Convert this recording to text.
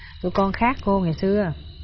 tụi con khác cô ngày xưa